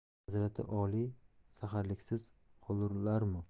hazrati oliy saharliksiz qolurlarmu